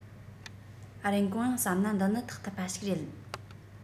རིན གོང ཡང བསམ ན འདི ནི ཐེག ཐུབ པ ཞིག རེད